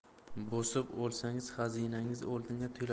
bosib olsangiz xazinangiz